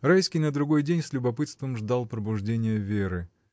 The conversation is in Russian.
Райский на другой день с любопытством ждал пробуждения Веры.